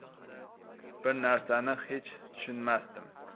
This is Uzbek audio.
bir narsani hech tushunmasdim